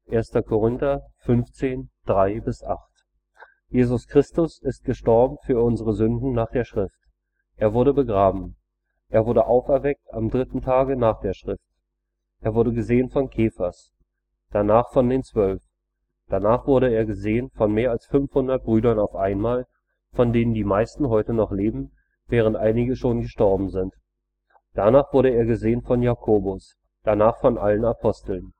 1 Kor 15,3 – 8 EU): „ Christus ist gestorben für unsere Sünden nach der Schrift; er wurde begraben; er wurde auferweckt am dritten Tage nach der Schrift; er wurde gesehen von Kephas; danach von den Zwölf. Danach wurde er gesehen von mehr als 500 Brüdern auf einmal – von denen die meisten heute noch leben, während einige schon gestorben sind. Danach wurde er gesehen von Jakobus; danach von allen Aposteln